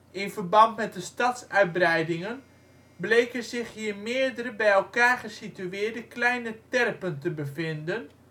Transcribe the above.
in verband met de stadsuitbreidingen bleken zich hier meerdere bij elkaar gesitueerde kleine terpen te bevinden